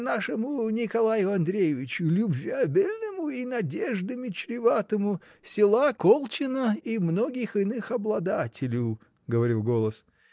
нашему Николаю Андреевичу, любвеобильному и надеждами чреватому, села Колчина и многих иных обладателю! — говорил голос.